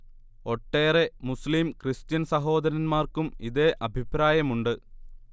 ഒട്ടേറെ മുസ്ളീം കൃസ്ത്യൻ സഹോദരന്മാർക്കും ഇതേ അഭിപ്രായമുണ്ട്